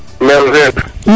njene sene